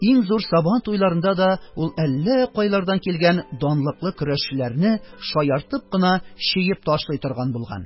Иң зур сабан туйларында да ул әллә кайлардан килгән данлыклы көрәшчеләрне шаяртып кына чөеп ташлый торган булган